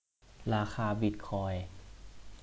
ราคาบิทคอยน์